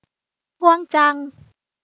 ง่วงจัง